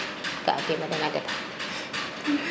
ga a tima den a ndeta